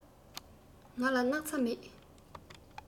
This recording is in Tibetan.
ང ལ སྣག ཚ མེད